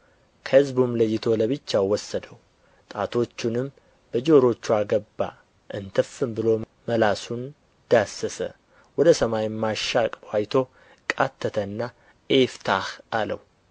ከሕዝቡም ለይቶ ለብቻው ወሰደው ጣቶቹንም በጆሮቹ አገባ እንትፍም ብሎ መላሱን ዳሰሰ ወደ ሰማይም አሻቅቦ አይቶ ቃተተና ኤፍታህ አለው